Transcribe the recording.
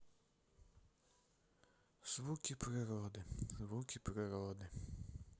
звуки природы звуки природы